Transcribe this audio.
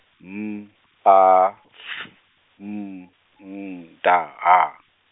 M A F M M da- ha.